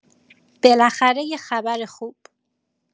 بالاخره یه خبر خوب!